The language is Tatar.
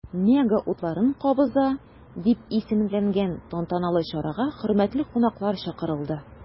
“мега утларын кабыза” дип исемләнгән тантаналы чарага хөрмәтле кунаклар чакырылды.